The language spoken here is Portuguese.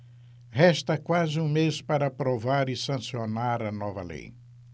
resta quase um mês para aprovar e sancionar a nova lei